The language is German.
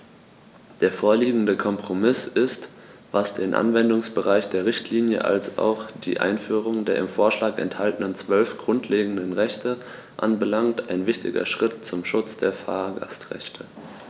Der vorliegende Kompromiss ist, was den Anwendungsbereich der Richtlinie als auch die Einführung der im Vorschlag enthaltenen 12 grundlegenden Rechte anbelangt, ein wichtiger Schritt zum Schutz der Fahrgastrechte.